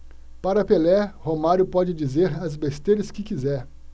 para pelé romário pode dizer as besteiras que quiser